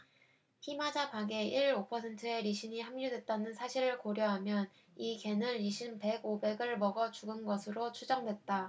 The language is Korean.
피마자박에 일 오 퍼센트의 리신이 함유됐다는 사실을 고려하면 이 개는 리신 백 오백 을 먹어 죽은 것으로 추정됐다